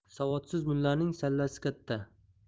savodsiz mullaning sallasi katta